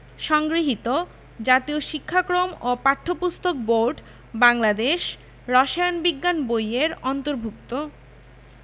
সংগৃহীত জাতীয় শিক্ষাক্রম ও পাঠ্যপুস্তক বোর্ড বাংলাদেশ রসায়ন বিজ্ঞান বই এর অন্তর্ভুক্ত